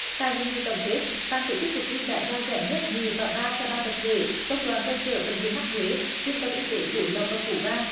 tại hội nghị tổng kết ban tổ chức cuộc thi đã trao giải nhất nhì và ba cho ba tập thể công đoàn cơ sở bệnh viện mắt huế trung tâm y tế phú lộc và phú vang